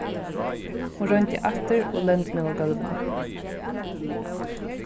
hon royndi aftur og lendi nú á gólvinum